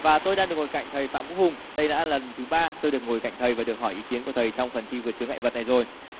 và tôi đang được ngồi cạnh thầy phạm quốc hùng đây đã là lần thứ ba tôi được ngồi cạnh thầy và được hỏi ý kiến của thầy trong phần thi vượt chướng ngại vật này rồi